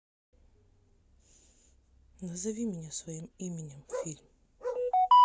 назови меня своим именем фильм